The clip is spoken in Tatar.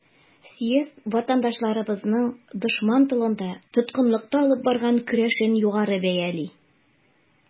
Съезд ватандашларыбызның дошман тылында, тоткынлыкта алып барган көрәшен югары бәяли.